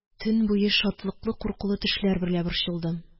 Мин төн буе шатлыклы-куркулы төшләр берлә борчылдым.